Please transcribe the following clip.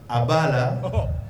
A b'a la ɔhɔɔ